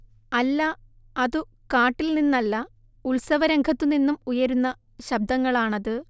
അല്ല അതു കാട്ടിൽ നിന്നല്ല ഉൽസവരംഗത്തുനിന്നും ഉയരുന്ന ശബ്ദങ്ങളാണത്